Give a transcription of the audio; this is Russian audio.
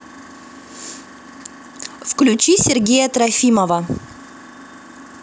включи сергея трофимова